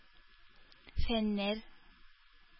Фәннәр